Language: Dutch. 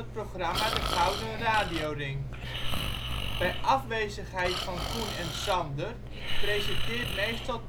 programma De Gouden RadioRing. Bij afwezigheid van Coen en Sander presenteert meestal